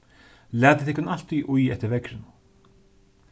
latið tykkum altíð í eftir veðrinum